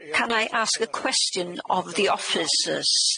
Can I ask a question of the officers?